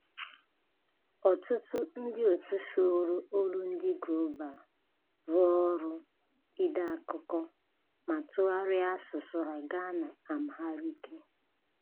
Ọtụtụ ndị òtù soro Global Voices rụọ ọrụ ide akụkọ ma tụgharịa asụsụ ha gaa na Amhariiki.